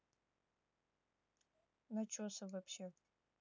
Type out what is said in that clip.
начосы вообще